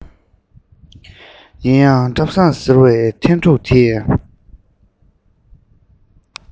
ཡིན ཡང བཀྲ བཟང ཟེར བའི ཐན ཕྲུག དེས